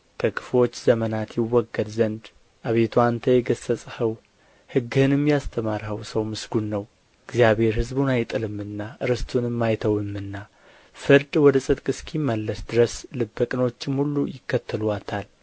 ከክፉዎች ዘመናት ይወገድ ዘንድ አቤቱ አንተ የገሠጽኸው ሕግህንም ያስተማርኸው ሰው ምስጉን ነው እግዚአብሔር ሕዝቡን አይጥልምና ርስቱንም አይተውምና ፍርድ ወደ ጽድቅ እስኪመልስ ድረስ ልበ ቅኖችም ሁሉ ይከተሉአታል